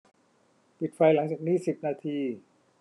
ปิดไฟหลังจากนี้สิบนาที